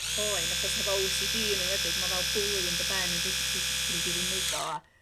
poen achos hefo ow si dî yn enwedig mai fel bwli yn dy ben y daethach chdi fedru di ddim neud o a...